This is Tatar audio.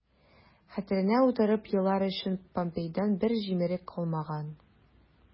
Хәтеренә утырып елар өчен помпейдан бер җимерек калмаган...